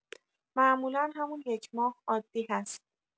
معمولا همون یک ماه عادی هست.